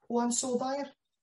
O ansoddair?